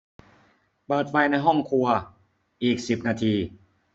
เปิดไฟในห้องครัวอีกสิบนาที